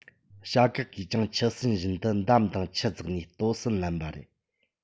བྱ གག གིས ཀྱང ཆུ སྲིན བཞིན དུ འདམ དང ཆུ བཙགས ནས ལྟོ ཟན ལེན པ རེད